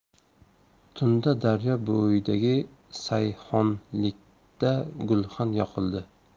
tunda daryo bo'yidagi sayhonlikda gulxan yoqildi